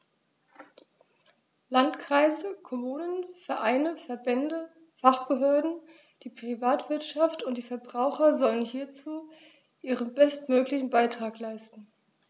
Landkreise, Kommunen, Vereine, Verbände, Fachbehörden, die Privatwirtschaft und die Verbraucher sollen hierzu ihren bestmöglichen Beitrag leisten.